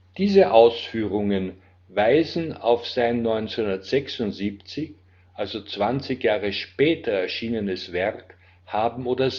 Diese Ausführungen weisen auf sein 1976 – 20 Jahre später – erschienenes Werk Haben oder